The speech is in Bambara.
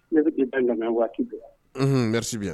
Ne bɛ di dan dan waati bɛ yan nesibi yan